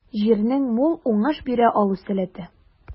Җирнең мул уңыш бирә алу сәләте.